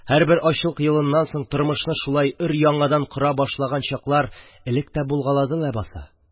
Һәрбер ачлык елыннан соң тормышны шулай өр-яңадан кора башлаган чаклар элек тә булгалады лабаса.